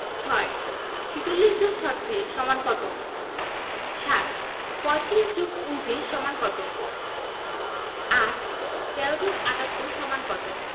৬ ৪৬ যোগ ৩৬ সমান কত ৭ ৩৫ যোগ ২৯ সমান কত ৮ ১৩ যোগ ৭৮ সমান কত